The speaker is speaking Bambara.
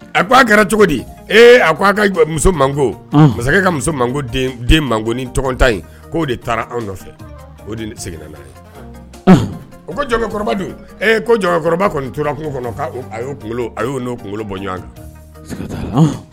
A a kɛra cogo di a muso man masakɛ ka muso den mango ni tɔgɔtan in k' de taara anw nɔfɛ o seginna ye o ko jɔn ko jɔnkɔrɔba kɔni tora kungo kɔnɔ a y'o kunkolo a y n'o kunkolo bɔ ɲɔgɔn kan